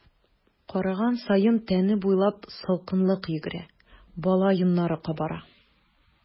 Караган саен тәне буйлап салкынлык йөгерә, бала йоннары кабара.